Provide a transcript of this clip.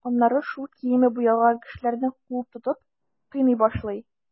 Аннары шул киеме буялган кешеләрне куып тотып, кыйный башлый.